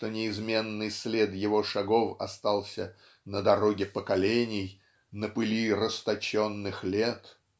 что неизменный след его шагов остался "на дороге поколений на пыли расточенных лет"